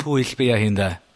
Pwyll bia hi' ynde?